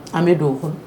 An bɛ don o kɔ